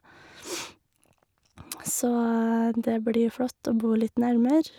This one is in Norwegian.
Så det blir flott å bo litt nærmere.